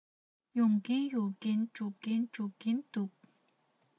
ཡོང གིན ཡོང གིན འགྲོ གིན འགྲོ གིན འདུག